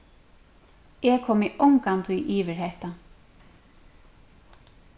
eg komi ongantíð yvir hetta